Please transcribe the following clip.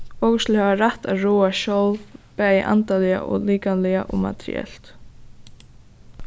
okur skulu hava rætt at ráða sjálv bæði andaliga og likamliga og materielt